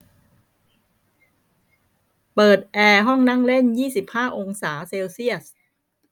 เปิดแอร์ห้องนั่งเล่นยี่สิบห้าองศาเซลเซียส